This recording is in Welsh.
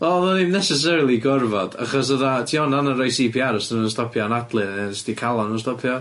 Wel o'dd o ddim necessarily gorfod achos fatha ti ond ond yn roi See Pee Are os 'di rywun yn stopio anadlu neu os 'di calon 'nw stopio.